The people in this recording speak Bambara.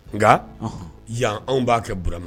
Nka yan anw b'a kɛ Burama